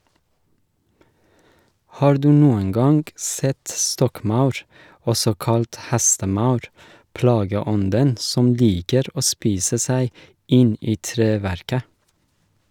Har du noen gang sett stokkmaur, også kalt hestemaur, plageånden som liker å spise seg inn i treverket?